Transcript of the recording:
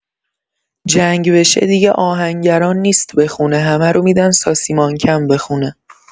جنگ بشه دیگه آهنگران نیست بخونه همه رو می‌دن ساسی مانکن بخونه!